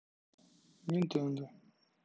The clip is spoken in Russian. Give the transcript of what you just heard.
nintendo